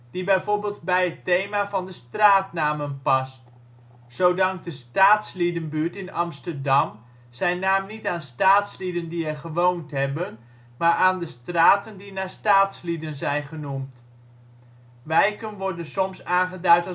die bijvoorbeeld bij het thema van de straatnamen past. Zo dankt de Staatsliedenbuurt in Amsterdam zijn naam niet aan staatslieden die er gewoond hebben, maar aan de straten die naar staatslieden zijn genoemd. Wijken worden soms aangeduid